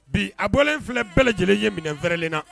Bi a bɔlen filɛ bɛɛ lajɛlen ye minɛn fɛrɛrɛnlen na